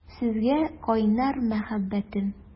Сезгә кайнар мәхәббәтем!